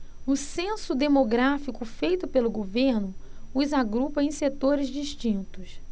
o censo demográfico feito pelo governo os agrupa em setores distintos